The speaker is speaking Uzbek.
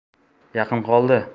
yaqin qoldi